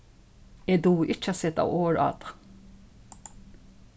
eg dugi ikki at seta orð á tað